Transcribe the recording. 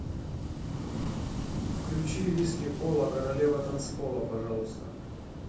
включи виски кола королева танцпола пожалуйста